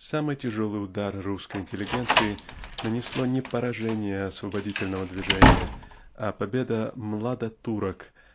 самый тяжелый Удар русской интеллигенции нанесло не поражение освободительного движения а победа младотурок